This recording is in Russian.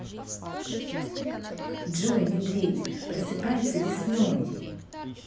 джой медведь просыпается весной